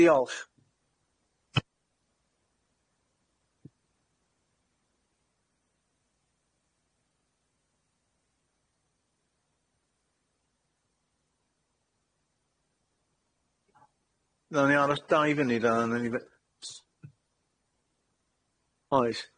Diolch.